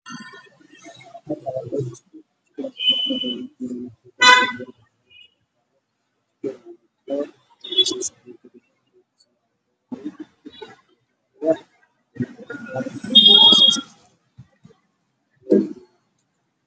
Meeshaan waa jiko ama kushiin